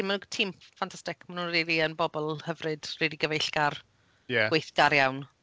Maen nhw'n tîm ffantastig. Maen nhw rili yn bobl hyfryd rili gyfeillgar... Ie. ...gweithgar iawn.